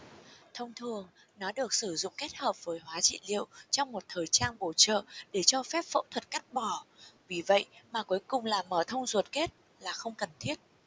thông thường nó được sử dụng kết hợp với hóa trị liệu trong một thời trang bổ trợ để cho phép phẫu thuật cắt bỏ vì vậy mà cuối cùng là mở thông ruột kết là không cần thiết